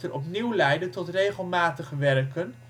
opnieuw leiden tot regelmatig werken